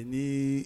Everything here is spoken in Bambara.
E ni